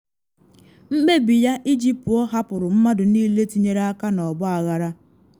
Mkpebi ya iji pụọ hapụrụ mmadụ niile tinyere aka n’ọgbaghara.